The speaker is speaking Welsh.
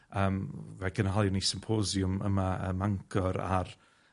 yym, fe gynhaliwn ni symposiwm yma ym Mangor ar